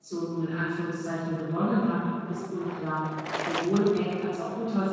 nun „ gewonnen “hat, ist unklar. Sowohl Eck als auch Luther